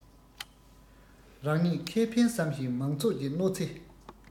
རང ཉིད ཁེ ཕན བསམ ཞིང མང ཚོགས ཀྱི གནོད ཚེ